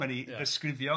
...mae'n ei ddisgrifio.